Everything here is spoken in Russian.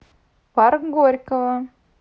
парк горького